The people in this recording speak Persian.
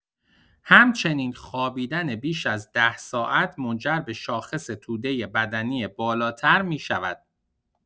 همچنین خوابیدن بیش از ۱۰ ساعت منجر به شاخص توده بدنی بالاتر می‌شود.